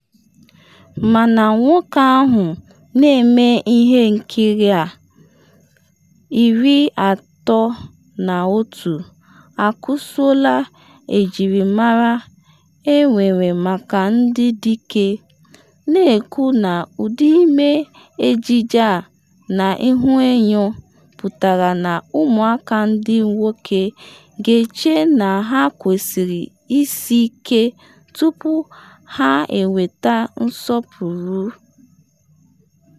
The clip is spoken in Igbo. Mana nwoke ahụ na-eme ihe nkiri a, 31, akụsuola ejirimara enwere maka ndị dike, na-ekwu na ụdị ime ejije a n’ihuenyo pụtara na ụmụaka ndị nwoke ga-eche na ha kwesịrị isi ike tupu ha enweta nsọpụrụ.